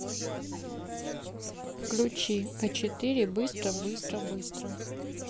включи а четыре быстро быстро быстро